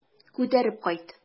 Күтәреп кайт.